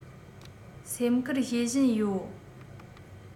སེམས ཁུར བྱེད བཞིན ཡོད